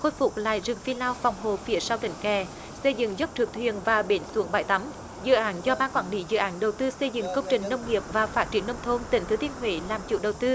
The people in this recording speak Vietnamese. khôi phục lại rừng phi lao phòng hộ phía sau đỉnh kè xây dựng dốc trượt thuyền và bến xuống bãi tắm dự án do ban quản lý dự án đầu tư xây dựng công trình nông nghiệp và phát triển nông thôn tỉnh thừa thiên huế làm chủ đầu tư